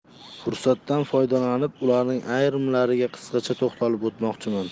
fursatdan foydalanib ularning ayrimlariga qisqacha to'xtalib o'tmoqchiman